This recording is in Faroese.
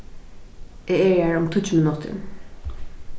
eg eri har um tíggju minuttir